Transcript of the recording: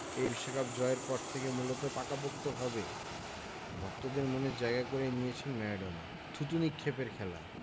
এই বিশ্বকাপ জয়ের পর থেকেই মূলত পাকাপোক্তভাবে ভক্তদের মনে জায়গা করে নিয়েছেন ম্যারাডোনা থুতু নিক্ষেপের খেলা